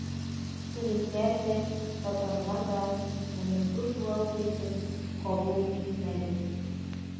Төрекләр дә, татарлар да моны зур югалту итеп кабул итмәде.